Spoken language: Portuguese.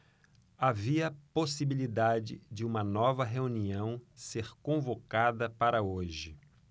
havia possibilidade de uma nova reunião ser convocada para hoje